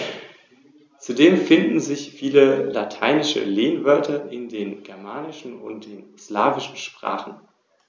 Ziel dieses Biosphärenreservates ist, unter Einbeziehung von ortsansässiger Landwirtschaft, Naturschutz, Tourismus und Gewerbe die Vielfalt und die Qualität des Gesamtlebensraumes Rhön zu sichern.